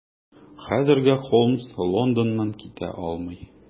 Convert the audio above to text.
Хәзергә Холмс Лондоннан китә алмый.